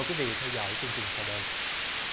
quý vỉ theo dỏi chương trình sau đây